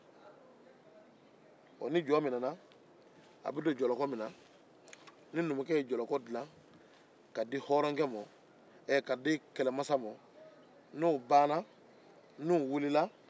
ni numukɛ ye jɔlɔkɔ dila k'a di masakɛ n'o banna